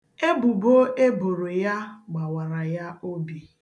Ebubo e boro ya, gbawara ya obi.